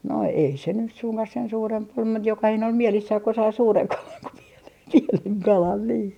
no ei se nyt suinkaan sen suurempi ollut mutta jokainen oli mielissään kun sai suuren kalan kun pienen pienen kalan niin